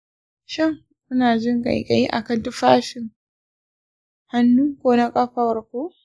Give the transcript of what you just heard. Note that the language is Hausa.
shin ku na jin ƙaiƙayi akan tafukan-hannu ko na ƙafarku